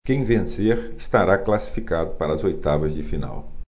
quem vencer estará classificado para as oitavas de final